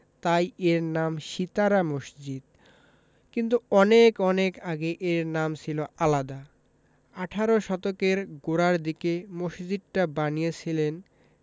তাই এর নাম সিতারা মসজিদ কিন্তু অনেক অনেক আগে এর নাম ছিল আলাদা আঠারো শতকের গোড়ার দিকে মসজিদটা বানিয়েছিলেন